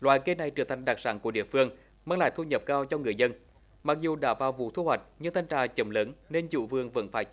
loài cây này trở thành đặc sản của địa phương mang lại thu nhập cao cho người dân mặc dù đã vào vụ thu hoạch những thanh trà chồng lớn nên chủ vườn vẫn phải chờ